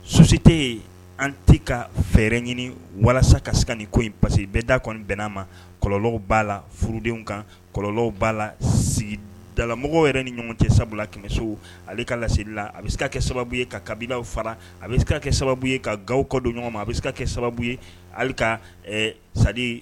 Susi tɛ yen an tɛ ka fɛɛrɛ ɲini walasa kasi nin ko in parce bɛɛ da a kɔni bɛnna'a ma kɔlɔlɔ b' la furudenw kan kɔlɔlɔ b' la sigi dalalamɔgɔ yɛrɛ ni ɲɔgɔn tɛ sabu kɛmɛso ale ka lasielila a bɛ se ka kɛ sababu ye ka kabilabilaw fara a bɛ se kɛ sababu ye ka ga kɔ don ɲɔgɔnma a bɛ se ka kɛ sababu ye hali ka sa